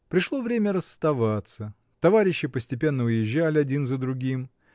Пришло время расставаться, товарищи постепенно уезжали один за другим.